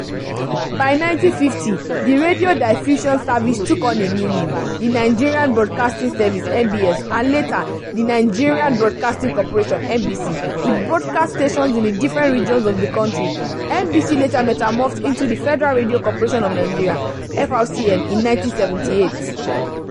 By 1950, the Radio Diffusion Service took on a new name — the Nigerian Broadcasting Service (NBS) — and later, the Nigerian Broadcasting Corporation (NBC), with broadcast stations in the different regions of the country. NBC later metamorphosed into the Federal Radio Corporation of Nigeria (FRCN) in 1978.